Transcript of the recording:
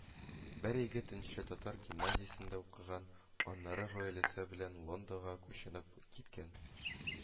Бер егет нче татар гимназиясендә укыган, аннары гаиләсе белән Лондонга күченеп киткән